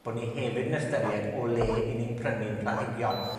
bo' ni hefyd yn ystyried o le 'yn ni'n prynu'n planhigion.